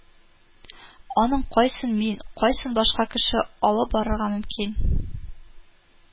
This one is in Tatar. Аның кайсын мин, кайсын башка кеше алып барырга мөмкин